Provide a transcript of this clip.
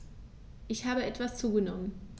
Ich habe etwas zugenommen